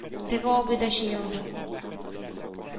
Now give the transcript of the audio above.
Теге абый да чәй алды